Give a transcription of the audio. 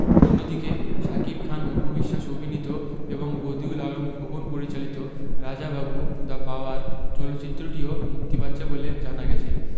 অন্যদিকে শাকিব খান অপু বিশ্বাস অভিনীত এবং বদিউল আলম খোকন পরিচালিত রাজা বাবু দ্যা পাওয়ার চলচ্চিত্রটিও মুক্তি পাচ্ছে বলে জানা গেছে